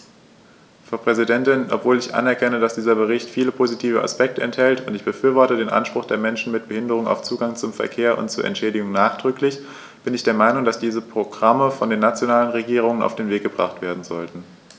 Frau Präsidentin, obwohl ich anerkenne, dass dieser Bericht viele positive Aspekte enthält - und ich befürworte den Anspruch der Menschen mit Behinderung auf Zugang zum Verkehr und zu Entschädigung nachdrücklich -, bin ich der Meinung, dass diese Programme von den nationalen Regierungen auf den Weg gebracht werden sollten.